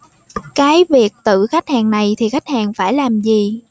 cái việc tự khách hàng này thì khách hàng phải làm gì